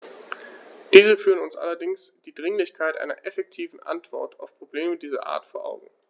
Diese führen uns allerdings die Dringlichkeit einer effektiven Antwort auf Probleme dieser Art vor Augen.